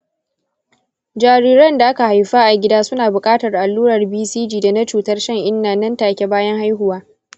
jariran da aka haifa a gida suna bukatar allurar bcg da na cutar shan-inna nan take bayan haihuwa.